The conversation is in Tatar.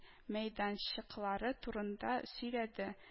Мәйданчыклары турында сөйләде